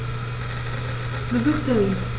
Besuchstermin